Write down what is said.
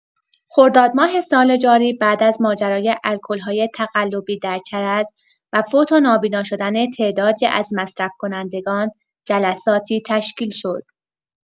خرداد ماه سال جاری بعد از ماجرای الکل‌های تقلبی در کرج و فوت و نابینا شدن تعدادی از مصرف‌کنندگان، جلساتی تشکیل شد.